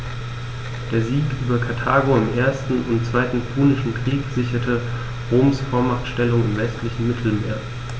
Der Sieg über Karthago im 1. und 2. Punischen Krieg sicherte Roms Vormachtstellung im westlichen Mittelmeer.